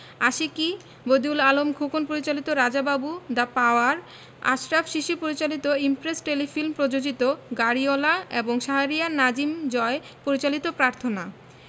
আশিকী বদিউল আলম খোকন পরিচালিত Raja Babu the power Ashraf Shishir পরিচালিত Impress Telefilm প্রযোজিত গাড়িওয়ালা এবং শাহরিয়ার নাজিম জয় পরিচালিত প্রার্থনা